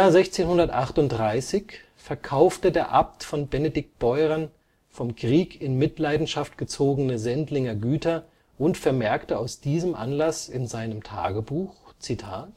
1638 verkaufte der Abt von Benediktbeuern vom Krieg in Mitleidenschaft gezogene Sendlinger Güter und vermerkte aus diesem Anlass in seinem Tagebuch „ dass